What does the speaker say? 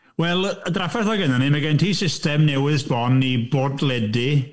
Wel, y drafferth oedd gennyn ni, mae gen ti system newydd sbon i bodledu.